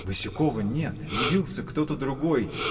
Васюкова нет, явился кто-то другой.